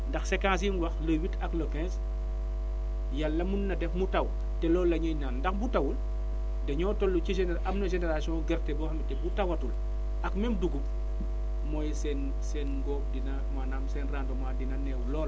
ndax séquences yi mu wax le huit ak le quinze yàlla mun na def mu taw te loolu la ñuy ñaan ndax bu tawul dañoo toll ci géné am na génération gerte goo xamante ne bu tawatul ak même dugub mooy seen seen ngóob dina maanaam seen rendement dina néew lool